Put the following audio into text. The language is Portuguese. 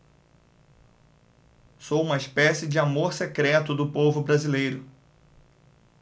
sou uma espécie de amor secreto do povo brasileiro